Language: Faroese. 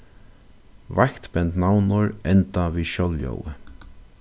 veikt bend navnorð enda við sjálvljóði